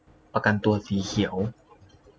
ประกันตัวสีเขียว